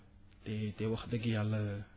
te te wax dëgg Yàlla